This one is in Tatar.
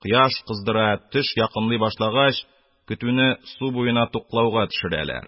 Кояш кыздыра, төш якынлый башлагач, көтүне су буена "туклау"га төшерәләр.